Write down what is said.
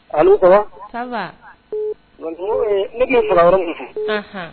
Allo ça va, ça va ne tun bɛ fɛ ka yɔrɔ min fɔ, anhan